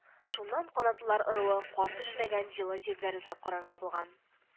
Шуннан канатлылар ыруы кар төшмәгән җылы җирләр эзләп карарга булган